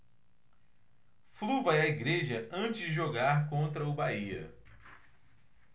flu vai à igreja antes de jogar contra o bahia